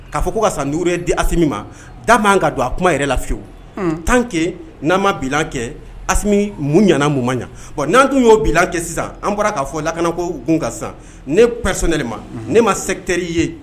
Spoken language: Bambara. K'a fɔ ko ka san di ami ma da b' ka don a kuma yɛrɛ layewu tanke n'an ma bi kɛ ami mun ɲ mun ma ɲɛ bɔn n'an tun y'o bila kɛ sisan an bɔra k'a fɔ lakana ko kun ka san ni pres ne de ma ne ma sɛg teri i ye